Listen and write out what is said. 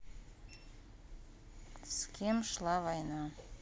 с кем шла война